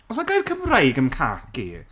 oes 'na gair Cymraeg am khaki?